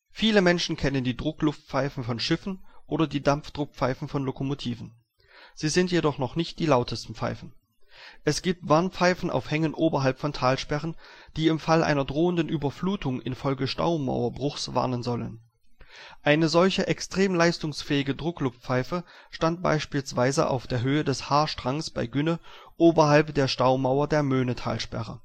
Viele Menschen kennen die Druckluftpfeifen von Schiffen oder die Dampfdruckpfeifen von Lokomotiven. Sie sind jedoch noch nicht die lautesten Pfeifen. Es gibt Warn-Pfeifen auf Hängen oberhalb von Talsperren, die im Fall einer drohenden Überflutung infolge Staumauer-Bruchs warnen sollen. Eine solche extrem leistungsfähige Druckluftpfeife stand beispielsweise auf der Höhe des Haarstrangs bei Günne oberhalb der Staumauer der Möhnetalsperre